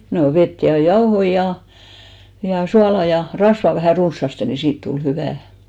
no vettä ja jauhoja ja ja suolaa ja rasvaa vähän runsaasti niin siitä tuli hyvää